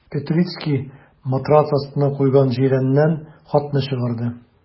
Петрицкий матрац астына куйган җирәннән хатны чыгарды.